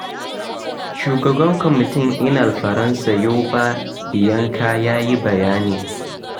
Shugaban kwamitin Inal-Faransa, Youba Dianka, ya yi bayani: